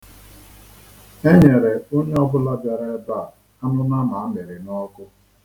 E nyere onye ọbụla bịara ebe a anụ nama a mịrị n'ọkụ.